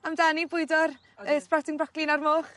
amdani bwydo'r yy sprouting broccoli 'na i'r moch.